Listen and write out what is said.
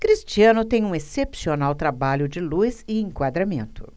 cristiano tem um excepcional trabalho de luz e enquadramento